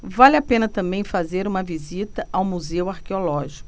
vale a pena também fazer uma visita ao museu arqueológico